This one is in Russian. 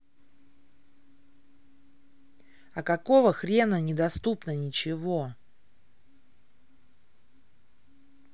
а какого хрена недоступно ничего